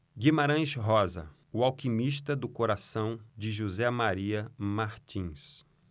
guimarães rosa o alquimista do coração de josé maria martins